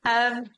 Yym.